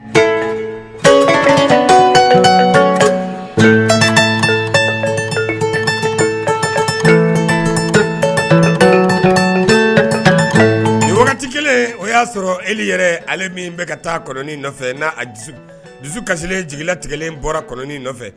Nin wagati kelen o y'a sɔrɔ e yɛrɛ ale min bɛ ka taa nɔfɛ na dusukassilen jigilatigɛ bɔra nɔfɛ